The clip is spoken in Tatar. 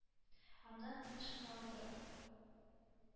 Аннан, тыныч кына утырып,